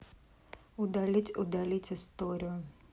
удалить удалить историю